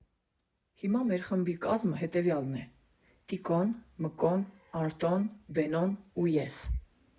Հիմա մեր խմբի կազմը հետևյալն է՝ Տիկոն, Մկոն, Արտոն, Բենոն ու ես։